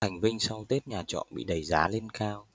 thành vinh sau tết nhà trọ bị đẩy giá lên cao